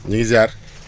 ñu ngi ziar